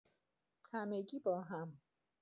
همگی با هم